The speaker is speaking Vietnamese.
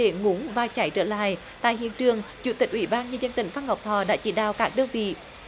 thể ngủ và chạy trở lại tại hiện trường chủ tịch ủy ban nhân dân tỉnh phan ngọc thọ đã chỉ đạo các đơn vị